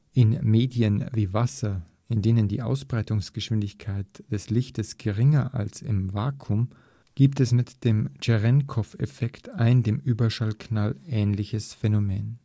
In Medien wie Wasser, in denen die Ausbreitungsgeschwindigkeit des Lichts geringer ist als im Vakuum, gibt es mit dem Tscherenkow-Effekt ein dem Überschallknall ähnliches Phänomen